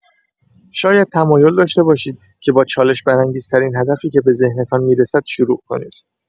شاید تمایل داشته باشید که با چالش‌برانگیزترین هدفی که به ذهنتان می‌رسد شروع کنید.